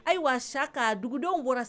Ayiwa s ka dugudenw bɔra